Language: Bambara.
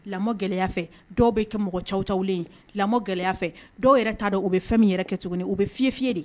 Lamɔ gɛlɛya fɛ dɔw bɛ kɛ mɔgɔ cawucawulen ye, lamɔ gɛlɛya fɛ dɔw yɛrɛ t'a dɔn u bɛ fɛn min yɛrɛ kɛ tuguni u bɛ fiyefiyɛ de